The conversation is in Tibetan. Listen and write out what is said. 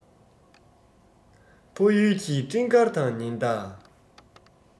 ཕ ཡུལ གྱི སྤྲིན དཀར དང ཉི ཟླ